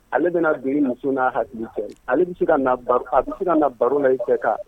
Ale bɛna dugu misi n'a hakili cɛ ale bɛ se ka a bɛ se ka na baro na i cɛ kan